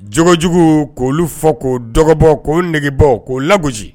Jojugu k'olu fɔ ko dɔgɔbɔ k'o nɛgɛgebɔ k'o laggosi